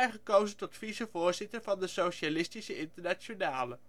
gekozen tot vice-voorzitter van de Socialistische Internationale